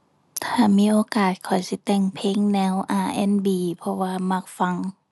ถ้ามีโอกาสข้อยสิแต่งเพลงแนว R&B เพราะว่ามักฟัง